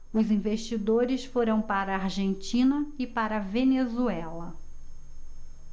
os investidores foram para a argentina e para a venezuela